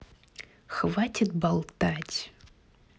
хватит болтать